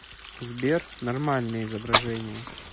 сбер нормальное изображение